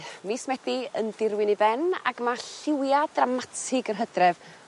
Mis Medi yn dirwyn i ben ac ma' lliwia' dramatig yr Hydref